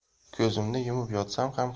ko'zimni yumib yotsam